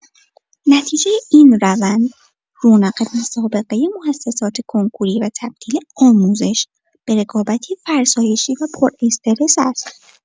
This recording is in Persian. نتیجه این روند، رونق بی‌سابقه مؤسسات کنکوری و تبدیل آموزش به رقابتی فرسایشی و پراسترس است.